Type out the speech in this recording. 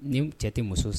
Ni cɛ tɛ muso